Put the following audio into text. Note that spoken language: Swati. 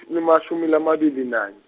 limashumi lamabili nanye.